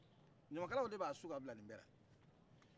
ɲamakalaw de b'a su ka bila ni bɛ la